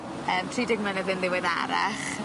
Yym tri deg mlynedd yn ddiweddarach